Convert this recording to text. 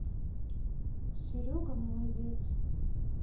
серега молодец